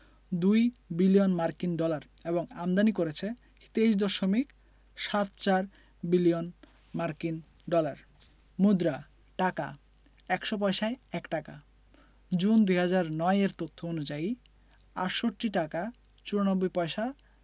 ২ billion মার্কিন dollar এবং আমদানি করেছে ২৩দশমিক সাত চার বিলিয়ন মার্কিন ডলার মুদ্রাঃ টাকা ১০০ পয়সায় ১ টাকা জুন ২০০৯ এর তথ্য অনুযায়ী ৬৮ টাকা ৯৪ পয়সা